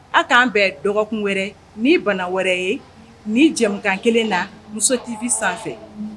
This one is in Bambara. Aw k'an bɛɛ dɔgɔkun wɛrɛ ni bana wɛrɛ ye ni jamukan kelen na muso tɛbi sanfɛ